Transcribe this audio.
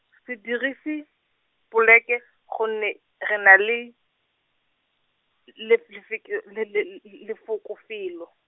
se dirisa, poleke, gonne, re na le, l- le- lefeke le- le- l- l- lefoko felo.